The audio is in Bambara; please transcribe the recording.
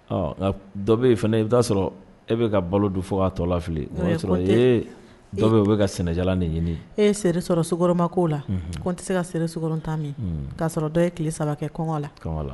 Nka dɔ bɛ fana i' sɔrɔ e bɛ ka balo don fo' tɔ la sɔrɔ dɔ bɛ bɛ ka sɛnɛ de ɲini e sɔrɔ soma ko la ko n tɛ se ka sekɔrɔn tan min k'a sɔrɔ dɔ e tile saba kɛ kɔn la